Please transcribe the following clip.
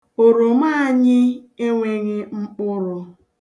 Oroma anyị enweghị mkpụrụ.